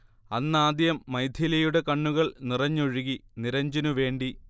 അന്നാദ്യം മൈഥിലിയുടെ കണ്ണുകൾ നിറഞ്ഞൊഴുകി നിരഞ്ജനു വേണ്ടി